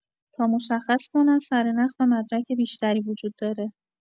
تا مشخص کنن سرنخ و مدرک بیشتری وجود داره